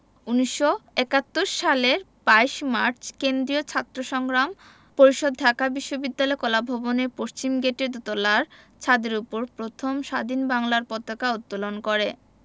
১৯৭১ সালের ২২ মার্চ কেন্দ্রীয় ছাত্র সংগ্রাম পরিষদ ঢাকা বিশ্ববিদ্যালয় কলাভবনের পশ্চিমগেটের দোতলার ছাদের উপর প্রথম স্বাধীন বাংলার পতাকা উত্তোলন করে